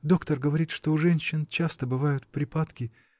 Доктор говорит, что у женщин часто бывают припадки.